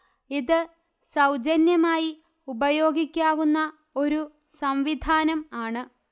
ഇത് സൗജന്യമായി ഉപയോഗിക്കാവുന്ന ഒരു സംവിധാനം ആണ്